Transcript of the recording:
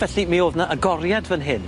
Felly mi o'dd 'na agoriad fan hyn.